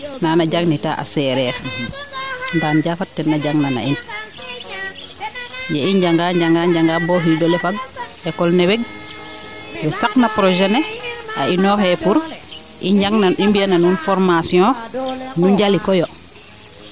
naana jang nita a sereer Ndane Diafate tena jang nana in yee i njanga njanga boo o xiidole fag ecole ne weg wee saq na projet ne a inooxe pour i njang nan i mbya na nuun foramtion nu njalikoyo